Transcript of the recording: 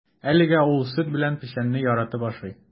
Әлегә ул сөт белән печәнне яратып ашый.